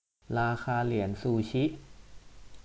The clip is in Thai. ราคาเหรียญซูชิ